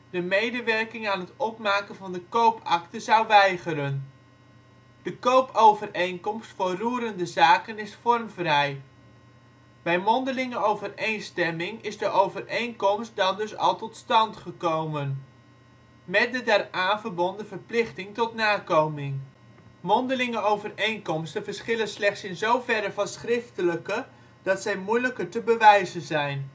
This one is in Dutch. de medewerking aan het opmaken van de koopakte zou weigeren. De koopovereenkomst voor roerende zaken is vormvrij. Bij mondelinge overeenstemmming is de overeenkomst dan dus al tot stand gekomen, met de daaraan verbonden verplichting tot nakoming. Mondelinge overeenkomsten verschillen slechts in zoverre van schriftelijke dat zij moeilijker te bewijzen zijn